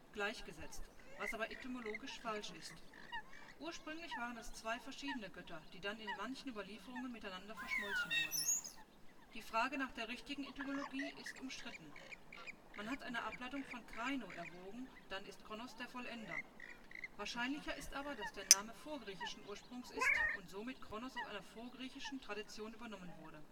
gleichgesetzt, was aber etymologisch falsch ist; ursprünglich waren es zwei verschiedene Götter, die dann in manchen Überlieferungen miteinander verschmolzen wurden. Die Frage nach der richtigen Etymologie ist umstritten; man hat eine Ableitung von kraíno erwogen, dann ist Kronos der " Vollender ". Wahrscheinlicher ist aber, dass der Name vorgriechischen Ursprungs ist und somit Kronos aus einer vorgriechischen Tradition übernommen wurde